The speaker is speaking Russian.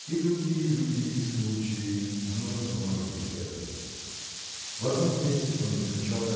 И другие люди и случаи много помогли этому. В одном месте он замечал